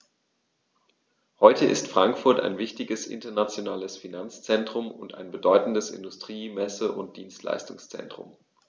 Heute ist Frankfurt ein wichtiges, internationales Finanzzentrum und ein bedeutendes Industrie-, Messe- und Dienstleistungszentrum.